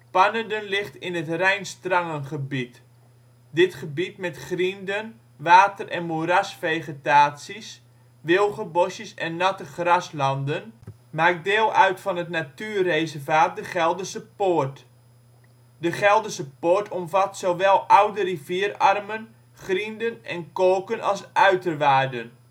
Pannerden ligt in het Rijnstrangengebied. Dit gebied met grienden, water - en moerasvegetaties, wilgenbosjes en natte graslanden maakt deel uit van het natuurreservaat " De Gelderse Poort ". De Gelderse Poort omvat zowel oude rivierarmen, grienden en kolken, als uiterwaarden